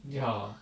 jaa